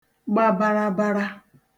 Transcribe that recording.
gba barabara